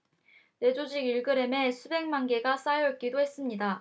뇌 조직 일 그램에 수백만 개가 쌓여 있기도 했습니다